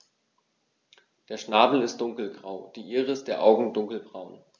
Der Schnabel ist dunkelgrau, die Iris der Augen dunkelbraun.